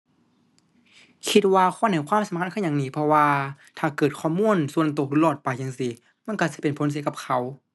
คิดว่าควรให้ความสำคัญคือหยังนี่ เพราะว่าถ้าเกิดข้อมูลส่วนตัวหลุดรอดไปจั่งซี้ มันตัวสิเป็นผลเสียกับเขา